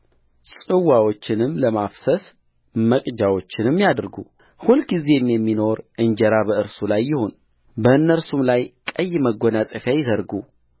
ጽዋዎቹንም ለማፍሰስም መቅጃዎቹን ያድርጉ ሁልጊዜም የሚኖር እንጀራ በእርሱ ላይ ይሁንበእነርሱም ላይ ቀይ መጐናጸፊያ ይዘርጉ